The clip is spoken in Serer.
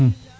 `